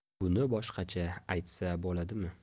buni boshqacha aytsa bo'ladimi